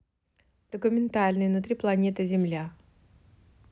документальный внутри планеты земля